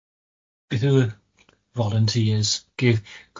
Beth yw y volunteers? Gif- Gwif-